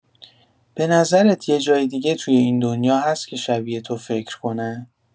به نظرت یه جای دیگه توی این دنیا هست که شبیه تو فکر کنه؟